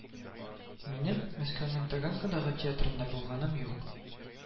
Минем Мәскәүнең Таганкадагы театрында булганым юк